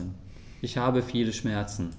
Ich habe viele Schmerzen.